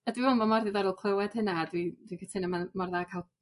A dwi me'wl ma' mor ddidorol clywed hyna dw- dwi'n cytuno ma' mor dda ca'l